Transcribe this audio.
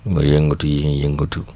muy yëngatu yi ñuy yëngatu